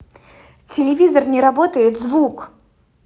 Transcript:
телевизор не работает звук